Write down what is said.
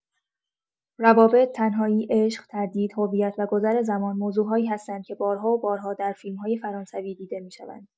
روابط، تنهایی، عشق، تردید، هویت و گذر زمان، موضوع‌هایی هستند که بارها و بارها در فیلم‌های فرانسوی دیده می‌شوند.